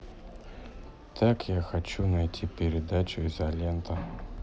так я хочу найти передачу изолента